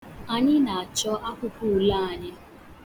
Anyị na-achọ akwụkwọ ule anyị